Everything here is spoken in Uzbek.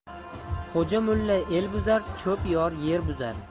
xo'ja mulla el buzar cho'p chor yer buzar